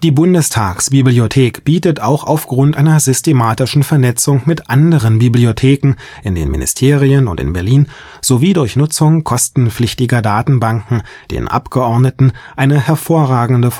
Bundestagsbibliothek bietet auch Aufgrund einer systematischen Vernetzung mit anderen Bibliotheken in den Ministerien und in Berlin sowie durch die Nutzung kostenpflichtiger Datenbanken, den Abgeordneten eine hervorragende